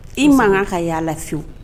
I man kan ka y'a la fiyewu.